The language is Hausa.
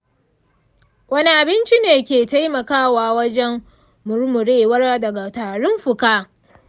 wane abinci ne ke taimakawa wajen murmurewa daga tarin fuka?